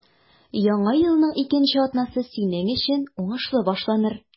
Яңа елның икенче атнасы синең өчен уңышлы башланыр.